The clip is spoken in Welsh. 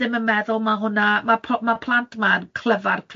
ddim yn meddwl ma' hwnna ma' po- ma' plant ma'n clyfar,